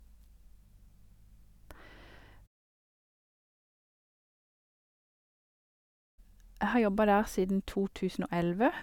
Jeg har jobba der siden to tusen og elleve.